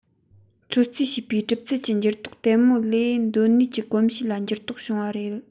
ཚོད རྩིས བྱས པའི གྲུབ ཚུལ གྱི འགྱུར ལྡོག དལ མོ ལས གདོད ནུས གྱི གོམས གཤིས ལ འགྱུར ལྡོག བྱུང བ རེད